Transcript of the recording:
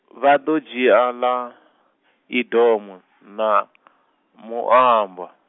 vha ḓo dzhia ḽa, Edomo na , Moaba.